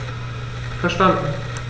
Verstanden.